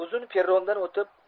uzun perrondan o'tib